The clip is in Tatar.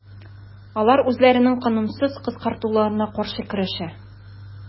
Алар үзләренең канунсыз кыскартылуына каршы көрәшә.